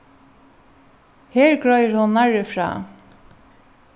her greiður hon nærri frá